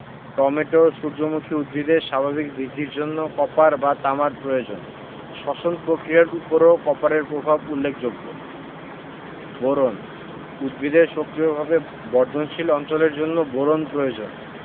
tomato সূর্যমুখী উদ্ভিদের স্বাভাবিক বৃদ্ধির জন্য কপার বা তামার প্রয়োজন শ্বসন পক্রিয়ার উপরও কপারের প্রভাব উল্লেখযোগ্য বোরন উদ্ভিদের সক্রিয়ভাবে বর্ধনশীল অঞ্চলের জন্য বোরন প্রয়োজন